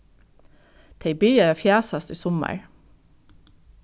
tey byrjaðu at fjasast í summar